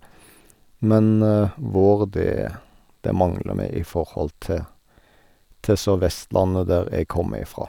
Men vår, det det mangler vi i forhold til til Sør-Vestlandet, der jeg kommer ifra.